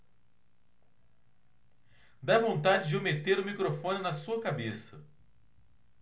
dá vontade de eu meter o microfone na sua cabeça